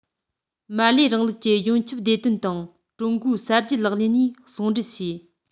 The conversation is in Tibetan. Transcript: མར ལེའི རིང ལུགས ཀྱི ཡོངས ཁྱབ བདེན དོན དང ཀྲུང གོའི གསར བརྗེའི ལག ལེན གཉིས ཟུང འབྲེལ བྱས